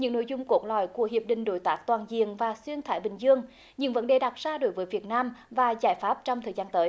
những nội dung cốt lõi của hiệp định đối tác toàn diện và xuyên thái bình dương nhưng vấn đề đặt ra đối với việt nam và giải pháp trong thời gian tới